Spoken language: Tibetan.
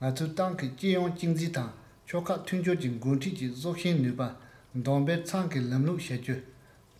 ང ཚོས ཏང གི སྤྱི ཡོངས གཅིག འཛིན དང ཕྱོགས ཁག མཐུན སྦྱོར གྱི འགོ ཁྲིད ཀྱི སྲོག ཤིང ནུས པ འདོན སྤེལ ཚང གི ལམ ལུགས བྱ རྒྱུ མཐའ